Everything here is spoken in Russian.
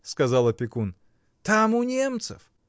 — сказал опекун, — там, у немцев.